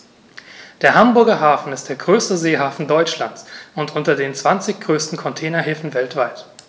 Der Hamburger Hafen ist der größte Seehafen Deutschlands und unter den zwanzig größten Containerhäfen weltweit.